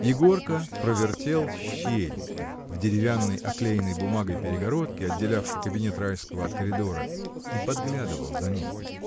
Егорка провертел щель в деревянной, оклеенной бумагой перегородке, отделявшей кабинет Райского от коридора, и подглядывал за ним.